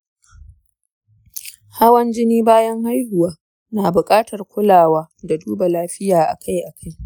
hawan jini bayan haihuwa na bukatar kulawa da duba lafiya akai-akai.